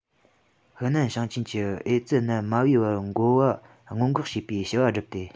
ཧི ནན ཞིང ཆེན གྱིས ཨེ ཙི ནད མ བུའི བར འགོ བ སྔོན འགོག བྱེད པའི བྱ བ སྒྲུབ ཏེ